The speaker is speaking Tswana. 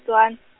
-tswan-.